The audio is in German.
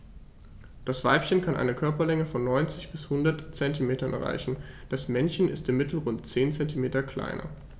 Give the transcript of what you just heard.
Das Weibchen kann eine Körperlänge von 90-100 cm erreichen; das Männchen ist im Mittel rund 10 cm kleiner.